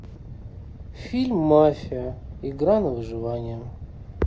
фильм мафия игра на выживание